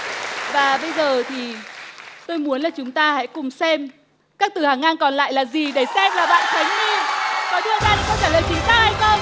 và bây giờ thì tôi muốn là chúng ta hãy cùng xem các từ hàng ngang còn lại là gì để xem là bạn khánh my có đưa ra câu trả lời chính xác hay không